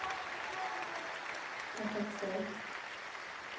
так а че